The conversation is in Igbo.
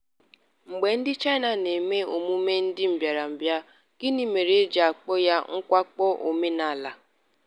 Mgbe ndị China na-eme emume ndị mbịarambịa, gịnị mere e ji akpọ ya mwakpo omenala?